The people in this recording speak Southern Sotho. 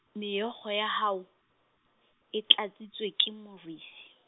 meokgo ya hae, e tlatsitse ke morifi.